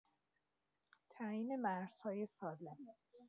تعیین مرزهای سالم